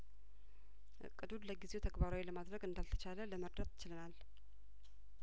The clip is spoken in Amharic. እቅዱን ለጊዜው ተግባራዊ ለማድረግ እንዳልተቻለ ለመረዳት ችለናል